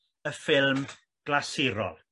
y ffilm glasurol